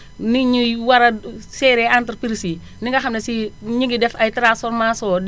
ni ñuy war a géré entreprise yi ni nga xam ne si ñu ngi def ay transformations